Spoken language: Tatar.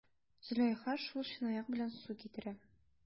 Зөләйха шул чынаяк белән су китерә.